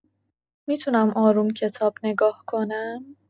می‌تونم آروم کتاب نگاه کنم؟